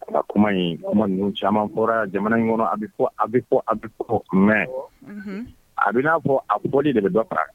Nka kuma in kuma caman fɔra jamana in kɔnɔ a bɛ fɔ a bɛ fɔ a bɛ fɔ mais ,unhun, kun a bɛ i n'a fɔ a fɔli de bɛ dɔ far'a kan